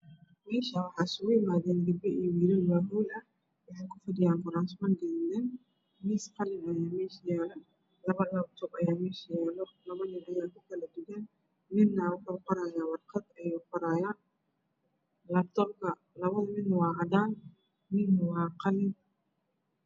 Meshan waxaa iskugu imaday wiilal iyo gabdho waa hol ah wexeyna ku fashiyaan kurasman gaduudan miis qalin ayaa mesha yala laba labtoob ayaa mesha ayaala laba nin ayaa ku kala duwan midna warqad ayuu qorayaa labtobka laba wiil na waa cadan